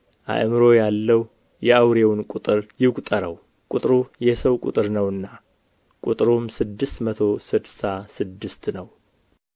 አእምሮ ያለው የአውሬውን ቍጥር ይቍጠረው ቍጥሩ የሰው ቍጥር ነውና ቍጥሩም ስድስት መቶ ስድሳ ስድስት ነው